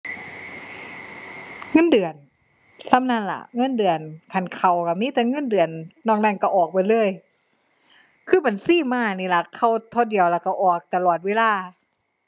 เงินเดือน ส่ำนั้นล่ะ เงินเดือน คันเข้าก็มีแต่เงินเดือน นอกนั้นก็ออกเบิดเลย คือบัญชีม้านี่ล่ะ เข้าเท่าเดียวแล้วก็ออกตลอดเวลา